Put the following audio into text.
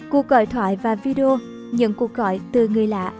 cuộc gọi thoại và video nhận cuộc gọi từ người lạ